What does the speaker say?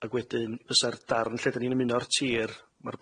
Ag wedyn fysa'r darn lle 'dan ni'n ymuno â'r tir, ma'r